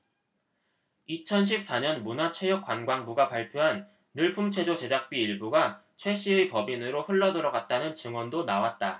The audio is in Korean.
이천 십 사 년 문화체육관광부가 발표한 늘품체조 제작비 일부가 최씨의 법인으로 흘러들어 갔다는 증언도 나왔다